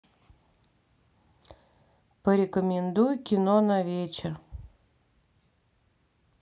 порекомендуй кино на вечер